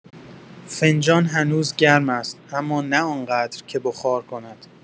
فنجان هنوز گرم است، اما نه آن‌قدر که بخار کند.